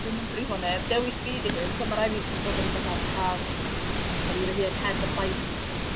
dwi'm yn brifo neb dewis fi 'di hyn so ma' raid fi jyst bod in fatha charge o fi fy hun heb y llais